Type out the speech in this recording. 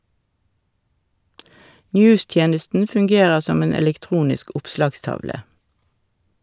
News-tjenesten fungerer som en elektronisk oppslagstavle.